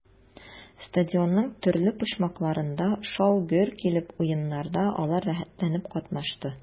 Стадионның төрле почмакларында шау-гөр килеп уеннарда алар рәхәтләнеп катнашты.